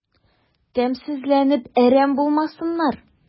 Тәмсезләнеп әрәм булмасыннар...